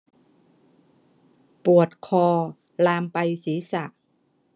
ปวดคอลามไปศีรษะ